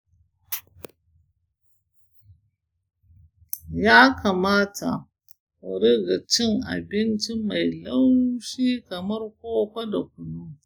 yakamata ku riƙa cin abinci mai laushi kamar koko da kunu.